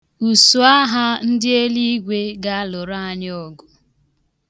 Usuagha ndị eluigwe ga-alụrụ anyị ọgụ.